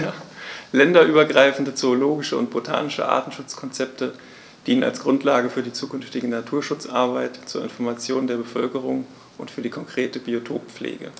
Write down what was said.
Länderübergreifende zoologische und botanische Artenschutzkonzepte dienen als Grundlage für die zukünftige Naturschutzarbeit, zur Information der Bevölkerung und für die konkrete Biotoppflege.